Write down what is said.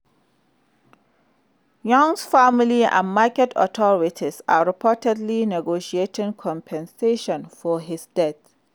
Yuan's family and market authorities are reportedly negotiating compensation for his death.